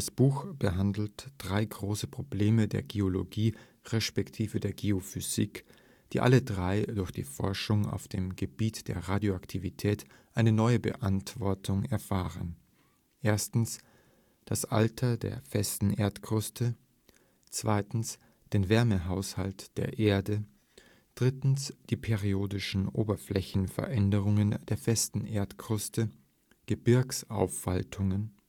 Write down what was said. Buch behandelt drei große Probleme der Geologie resp. der Geophysik, die alle drei durch die Forschung auf dem Gebiet der Radioaktivität eine neue Beantwortung erfahren: 1. das Alter der festen Erdkruste, 2. den Wärmehaushalt der Erde, 3. die periodischen Oberflächenveränderungen der festen Erdkruste (Gebirgsauffaltungen